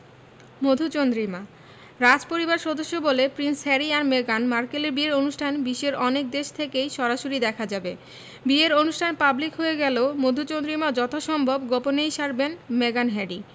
মধুচন্দ্রিমা রাজপরিবারের সদস্য বলে প্রিন্স হ্যারি আর মেগান মার্কেলের বিয়ের অনুষ্ঠান বিশ্বের অনেক দেশ থেকেই সরাসরি দেখা যাবে বিয়ের অনুষ্ঠান পাবলিক হয়ে গেলেও মধুচন্দ্রিমা যথাসম্ভব গোপনেই সারবেন মেগান হ্যারি